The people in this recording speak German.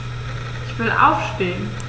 Ich will aufstehen.